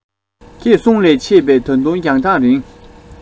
ཁྱེད གསུང ལས མཆེད པའི ད དུང རྒྱང ཐག རིང